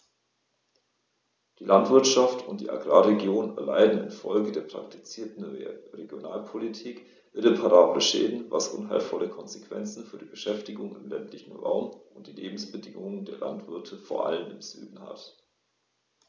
Die Landwirtschaft und die Agrarregionen erleiden infolge der praktizierten Regionalpolitik irreparable Schäden, was unheilvolle Konsequenzen für die Beschäftigung im ländlichen Raum und die Lebensbedingungen der Landwirte vor allem im Süden hat.